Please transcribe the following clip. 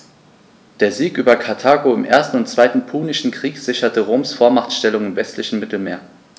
Der Sieg über Karthago im 1. und 2. Punischen Krieg sicherte Roms Vormachtstellung im westlichen Mittelmeer.